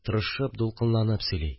Тырышып, дулкынланып сөйли